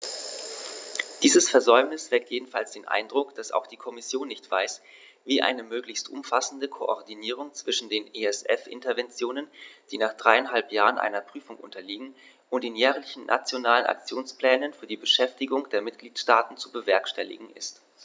Dieses Versäumnis weckt jedenfalls den Eindruck, dass auch die Kommission nicht weiß, wie eine möglichst umfassende Koordinierung zwischen den ESF-Interventionen, die nach dreieinhalb Jahren einer Prüfung unterliegen, und den jährlichen Nationalen Aktionsplänen für die Beschäftigung der Mitgliedstaaten zu bewerkstelligen ist.